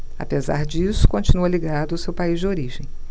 apesar disso continua ligado ao seu país de origem